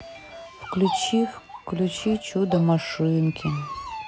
включи включи чудо машинки